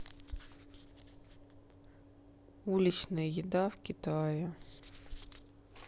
уличная еда в китае